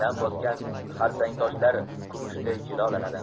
nam bosgan xarsangtoshlar kumushday jilolanadi